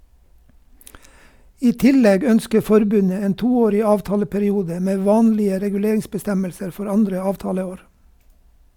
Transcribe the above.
I tillegg ønsker forbundet en toårig avtaleperiode med vanlige reguleringsbestemmelser for andre avtaleår.